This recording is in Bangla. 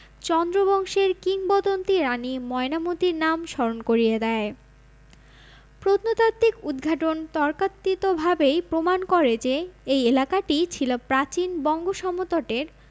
চন্দ্রবংশের কিংবদন্তীর রানী ময়নামতী র নাম স্মরণ করিয়ে দেয় প্রত্নতাত্ত্বিক উদ্ঘাটন তর্কাতীতভাবেই প্রমাণ করে যে এই এলাকাটিই ছিল প্রাচীন বঙ্গ সমতটের